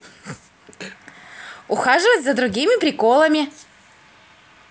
ухаживать за другими приколами